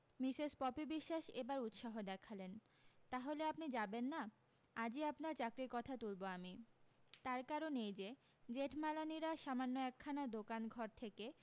Mrs Popi Biswas এবার উৎসাহ দেখালেন তা হলে আপনি যাবেন না আজই আপনার চাকরীর কথা তুলবো আমি তার কারণ এই যে জেঠমালানিরা সামান্য একখানা দোকান ঘর থেকে